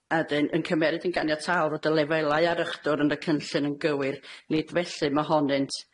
A 'dyn, yn cymeryd yn ganiataol fod y lefelau ar ychdwr yn y cynllun yn gywir, nid felly mohonynt.